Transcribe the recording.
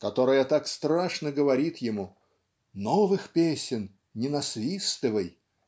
которая так страшно говорит ему Новых песен не насвистывай